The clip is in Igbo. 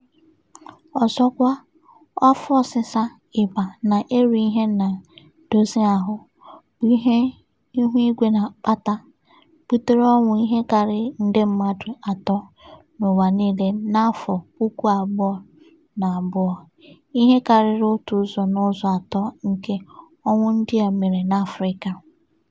Ọzọkwa, afọ ọsịsa, ịba na erighị ihe na-edozi ahụ, bụ ihe ihuigwe na-akpata, butere ọnwụ ihe karịrị nde mmadụ 3 n'ụwa niile na 2002; ihe karịrị otu ụzọ n'ụzọ atọ nke ọnwụ ndị a mere n'Afrịka.